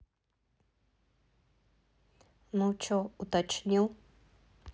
ну че уточнил